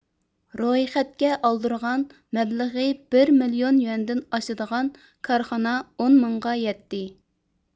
رويخەتكە ئالدۇرغان مەبلىغى بىر مىليون يۈەندىن ئاشىدىغان كارخانا ئون مىڭغا يەتتى